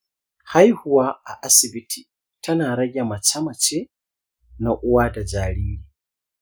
haihuwa a asibiti tana rage mace-mace na uwa da jariri.